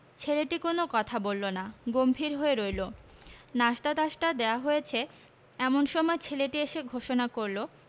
ছেলেটি কোন কথা বলল না গম্ভীর হয়ে রইল নশিতাটাসতা দেয়া হয়েছে এমন সময় ছেলেটি এসে ঘোষণা করল